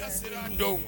N ka sera an dɔn